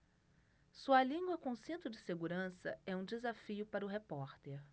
sua língua com cinto de segurança é um desafio para o repórter